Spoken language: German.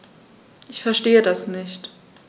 Verstehe das nicht.